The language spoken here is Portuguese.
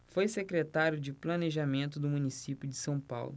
foi secretário de planejamento do município de são paulo